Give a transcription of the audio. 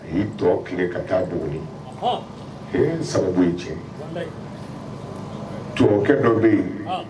A y'i tɔ tile ka taa bon sababu ye tiɲɛ tukɛ dɔ bɛ yen